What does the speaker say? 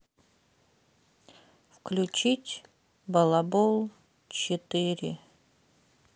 включить балабол четыре